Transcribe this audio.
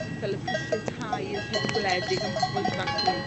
fel y prisie tai yn llefydd gwledig a ma' pobol ifanc ffili